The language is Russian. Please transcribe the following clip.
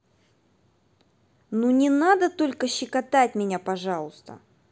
ну не надо только щекотать меня пожалуйста